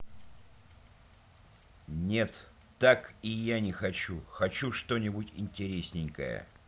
нет так и я не хочу хочу что нибудь интересненькое